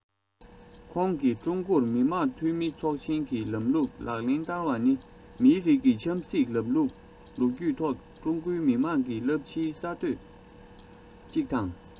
ཁོང གིས ཀྲུང གོར མི དམངས འཐུས མི ཚོགས ཆེན གྱི ལམ ལུགས ལག ལེན བསྟར བ ནི མིའི རིགས ཀྱི ཆབ སྲིད ལམ ལུགས ལོ རྒྱུས ཐོག གི ཀྲུང གོ མི དམངས ཀྱི རླབས ཆེའི གསར གཏོད ཅིག དང